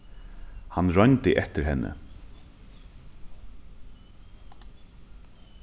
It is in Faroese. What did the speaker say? hann royndi eftir henni